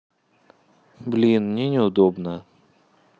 блин мне неудобно